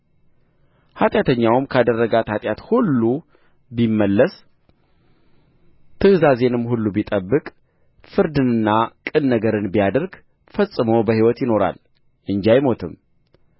ኃጢአተኛውም ካደረጋት ኃጢአት ሁሉ ቢመለስ ትእዛዜንም ሁሉ ቢጠብቅ ፍርድንና ቅን ነገርንም ቢያደርግ ፈጽሞ በሕይወት ይኖራል እንጂ አይሞትም